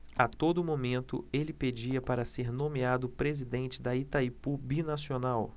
a todo momento ele pedia para ser nomeado presidente de itaipu binacional